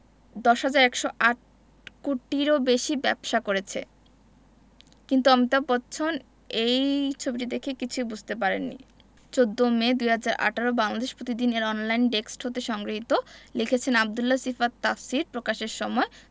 ১০১০৮ কোটিরও বেশি ব্যবসা করেছে কিন্তু অমিতাভ বচ্চন এই ছবিটি দেখে কিছুই বুঝতে পারেননি ১৪মে ২০১৮ বাংলাদেশ প্রতিদিন এর অনলাইন ডেক্সট হতে সংগৃহীত লিখেছেনঃ আব্দুল্লাহ সিফাত তাফসীর প্রকাশের সময়